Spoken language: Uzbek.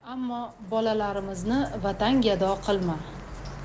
ammo bolalarimizni vatangado qilma